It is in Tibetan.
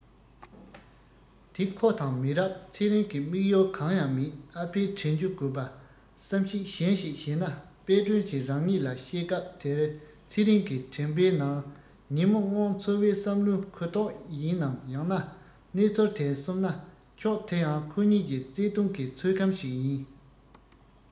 དེ ཁོ དང མི རབས ཚེ རིང གི དམིགས ཡུལ གང ཡང མེད ཨ ཕའི དྲན རྒྱུ དགོས པ བསམ གཞིག གཞན ཞིག བྱས ན དཔལ སྒྲོན གྱི རང ཉིད ལ བཤད སྐབས དེར ཚེ རིང གི དྲན པའི ནང ཉིན མོ སྔོན འཚོ བའི བསམ བློའི གུ དོག ཡིན ནམ ཡང ན གནས ཚུལ དེར སོམ ན ཕྱོགས དེ ཡང ཁོ གཉིས ཀྱི བརྩེ དུང གི ཚོད གམ ཞིག ཡིན